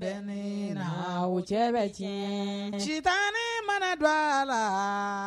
Den o cɛ bɛ tiɲɛ ncitan ni mana don a la